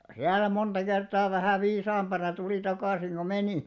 siellä monta kertaa vähän viisaampana tuli takaisin kuin meni